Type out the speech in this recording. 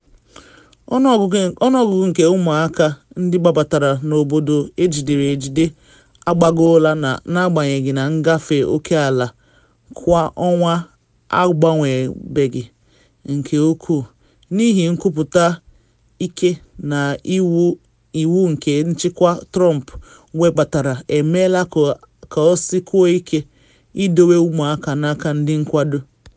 Ọnụọgụ nke ụmụaka ndị gbabatara n’obodo ejidere ejide agbagoola na agbanyeghị na ngafe oke ala kwa ọnwa agbanwebeghị nke ukwuu, n’ihi nkwupụta ike na iwu nke nchịkwa Trump webatara emeela ka o sikwuo ike idowe ụmụaka n’aka ndị nkwado.